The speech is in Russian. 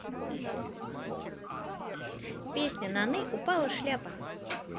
песня наны упала шляпа